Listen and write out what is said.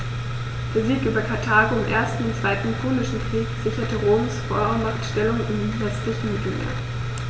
Der Sieg über Karthago im 1. und 2. Punischen Krieg sicherte Roms Vormachtstellung im westlichen Mittelmeer.